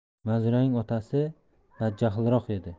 manzuraning otasi badjahlroq edi